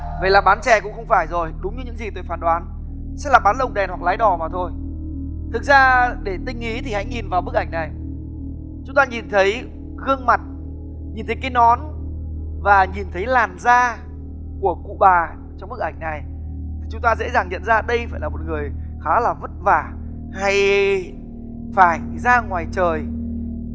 vậy là bán chè cũng không phải rồi đúng như những gì tôi phán đoán sẽ là bán lồng đèn hoặc lái đò mà thôi thực ra để tinh ý thì hãy nhìn vào bức ảnh này chúng ta nhìn thấy gương mặt nhìn thấy cái nón và nhìn thấy làn da của cụ bà trong bức ảnh này chúng ta dễ dàng nhận ra đây phải là một người khá là vất vả hay phải ra ngoài trời